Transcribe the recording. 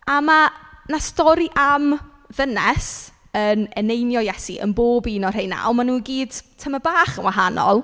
A ma' 'na stori am ddynes yn eneinio Iesu yn bob un o'r rheina, ond maen nhw i gyd tymed bach yn wahanol.